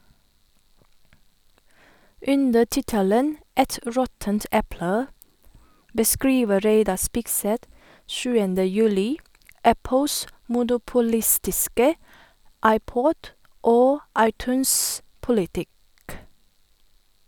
Under tittelen «Et råttent eple» beskriver Reidar Spigseth 7. juli Apples monopolistiske iPod- og iTunes-politikk.